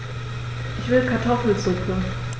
Ich will Kartoffelsuppe.